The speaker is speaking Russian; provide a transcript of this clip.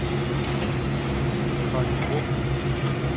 спанч боб мультик